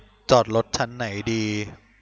จอดรถชั้นไหนดี